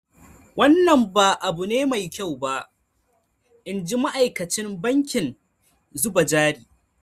Wannan ba abu ne mai kyau ba, "in ji ma’aikacin bankin zuba jari.